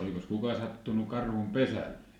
olikos kukaan sattunut karhun pesälle